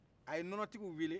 a ye nɔnɔtigiw weele